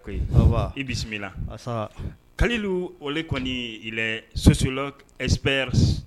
I bisimila kalilu o kɔni sososo esp